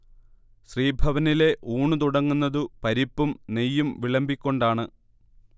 ശ്രീഭവനിലെ ഊണു തുടങ്ങുന്നതു പരിപ്പും നെയ്യും വിളമ്പിക്കൊണ്ടാണ്